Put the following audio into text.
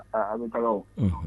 Aa a bɛkɛlawlaw